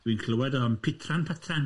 Dwi'n clywed o'n pitran patran.